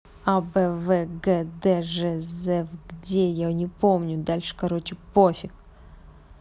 а б в г д ж з в где я не помню дальше короче пофиг